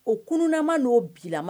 O kunnama n'o bilama